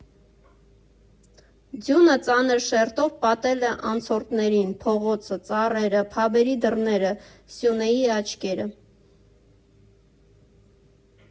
Ձյունը ծանր շերտով պատել է անցորդներին, փողոցը, ծառերը, փաբերի դռները, Սյունեի աչքերը…